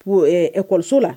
Ko ɛ kɔrɔso la